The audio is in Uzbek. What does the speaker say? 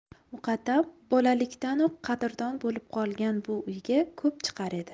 muqaddam bolalikdanoq qadrdon bo'lib qolgan bu uyga ko'p chiqar edi